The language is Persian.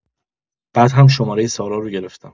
بعد هم شمارۀ سارا رو گرفتم.